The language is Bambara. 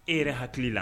E yɛrɛ hakili la